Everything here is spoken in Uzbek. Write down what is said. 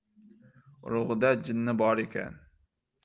urug'ida jinni bor ekan